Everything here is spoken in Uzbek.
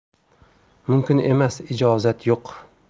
mumkin emas ijozat yo'q